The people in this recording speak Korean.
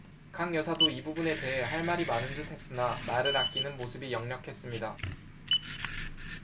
강여사도 이 부분에 대해 할 말이 많은듯 했으나 말을 아끼는 모습이 역력했습니다